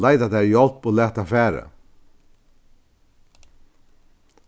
leita tær hjálp og lat tað fara